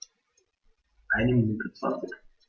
Eine Minute 20